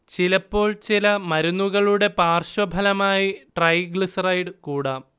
ചിലപ്പോൾ ചില മരുന്നുകളുടെ പാർശ്വഫലമായി ട്രൈഗ്ലിസറൈഡ് കൂടാം